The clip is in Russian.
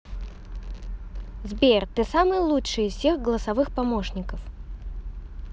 сбер ты самый лучший из всех голосовых помощников